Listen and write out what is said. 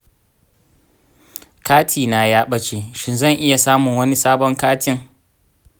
kati na ya ɓace; shin zan iya samun wani sabon katin?